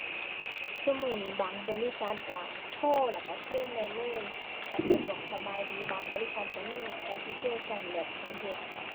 ซุมื้อนี้บางบริษัทก็โทรแล้วก็เคลมได้เลย ก็สะดวกสบายดี บางบริษัทก็มีแอปพลิเคชันแบบให้เฮ็ด